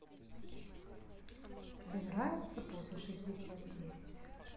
тебе нравится поза шестьдесят девять